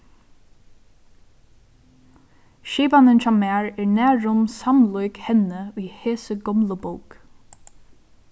skipanin hjá mær er nærum samlík henni í hesi gomlu bók